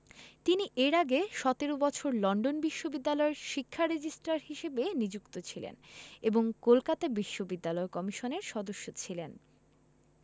তিনি এর আগে ১৭ বছর লন্ডন বিশ্ববিদ্যালয়ের শিক্ষা রেজিস্ট্রার হিসেবে নিযুক্ত ছিলেন এবং কলকাতা বিশ্ববিদ্যালয় কমিশনের সদস্য ছিলেন